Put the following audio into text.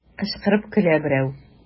Кычкырып көлә берәү.